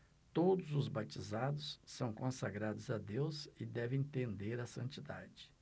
todos os batizados são consagrados a deus e devem tender à santidade